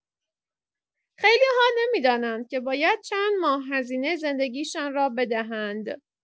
خیلی‌ها نمی‌دانند که باید چند ماه هزینه زندگی‌شان را بدهند.